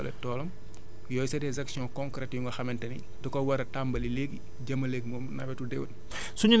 pour yokk doole toolam yooyu c' est des actions concrètes yi nga xamante ni da koo war a tàmbali léegi jëmaleeg moom nawetu déwén